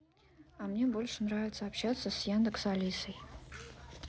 а мне больше нравится общаться с яндекс алисой